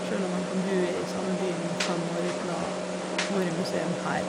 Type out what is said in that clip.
Sjøl om en kan bo i samme byen i fem år uten å vore i museum her.